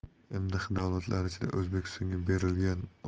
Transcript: mdh mamlakatlari ichida o'zbekistonga berilgan